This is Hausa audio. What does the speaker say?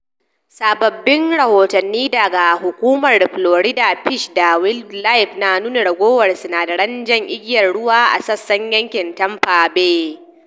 Sababbin rahotanni daga Hukumar Florida Fish da wildlife na nuna raguwar sinadaran Jar Igiyar Ruwa a sassan yankin Tampa Bay.